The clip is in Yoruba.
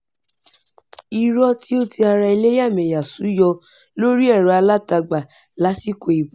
Irọ́ tí ó ti ara ẹlẹ́yàmẹyà sú yọ lórí ẹ̀rọ alátagbà lásìkò ìbò